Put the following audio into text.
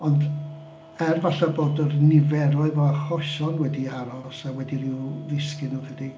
Ond er falle bod yr niferoedd o achosion wedi aros a wedi ryw ddisgyn ryw chydig.